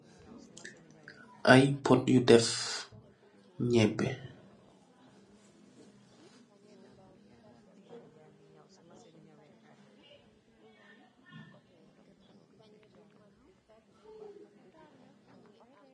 Ay pôt yu def ñgebeh.